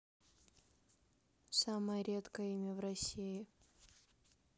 самое редкое имя в россии